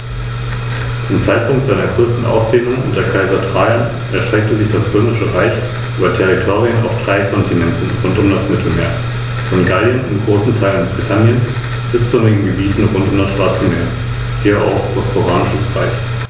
Die Beute greifen die Adler meist auf dem Boden oder im bodennahen Luftraum und töten sie mit den außerordentlich kräftigen Zehen und Krallen.